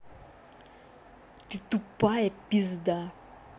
ты тупая пизда